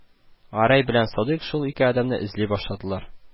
Гәрәй белән Садыйк шул ике адәмне эзли башладылар